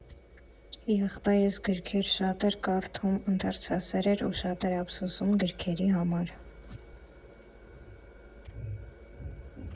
Եղբայրս գրքեր շատ էր կարդում, ընթերցասեր էր ու շատ էր ափսոսում գրքերի համար։